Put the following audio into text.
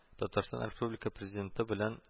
Татарстан Республика Президенты белән